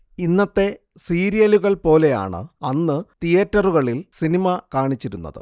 ഇന്നത്തെ സീരിയലുകൾ പോലെയാണ് അന്ന് തിയേറ്ററുകളിൽ സിനിമ കാണിച്ചിരുന്നത്